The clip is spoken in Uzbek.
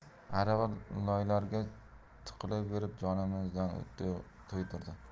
arava loylarga tiqilaverib jonimizdan to'ydirdi